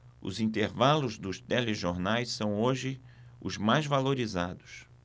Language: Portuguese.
os intervalos dos telejornais são hoje os mais valorizados